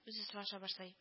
Үзе сораша башлый: